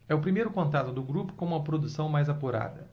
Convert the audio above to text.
é o primeiro contato do grupo com uma produção mais apurada